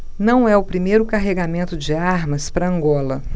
não é o primeiro carregamento de armas para angola